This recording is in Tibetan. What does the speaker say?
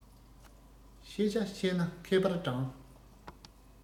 ཤེས བྱ ཤེས ན མཁས པར བགྲང